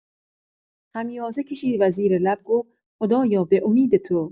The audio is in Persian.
خمیازه کشید و زیر لب گفت: «خدایا به امید تو!»